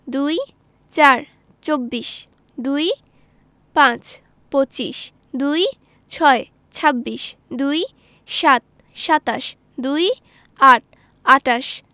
২৪ চব্বিশ ২৫ পঁচিশ ২৬ ছাব্বিশ ২৭ সাতাশ ২৮ আটাশ